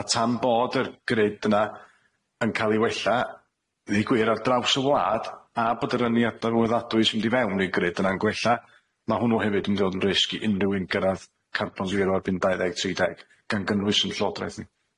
a tan bod yr grid na yn ca'l 'i wella ddeu gwir ar draws y wlad a bod yr ynni fywyddadwy sy'n mynd i fewn i grid yna'n gwella ma' hwnnw hefyd yn myn' i fod yn risg i unryw un gyrradd carbon zero erbyn dau ddeg tri deg gan gynnwys yn Llywodraeth ni.